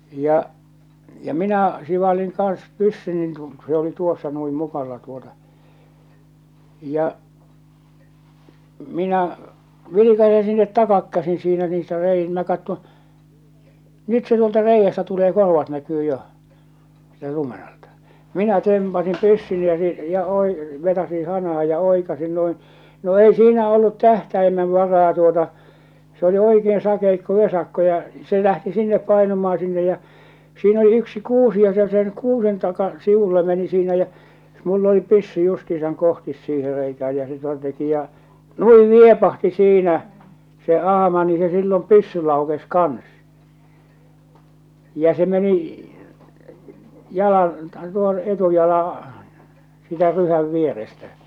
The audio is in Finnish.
ja ja minä sivalsin kanssa pyssyni kun se oli tuossa noin mukalla tuota ja minä vilkaisen sinne takaa käsin siinä niistä - minä katson nyt se tuolta reiästä tulee korvat näkyy jo siitä lumen alta minä tempaisin pyssyni ja ja - vetäisin hanaan ja oikaisin noin no ei siinä ollut tähtäimessä varaa tuota se oli oikein sakeikko vesakko ja se lähti sinne painumaan sinne ja siinä oli yksi kuusi ja se sen kuusen taa sivulle meni siinä jäi minulla oli pyssy justiinsa kohti siihen reikään ja se tuon teki ja noin niepahti siinä se ahma niin se silloin pyssy laukesi kanssa ja se meni jalan tuon etujalan siitä ryhän vierestä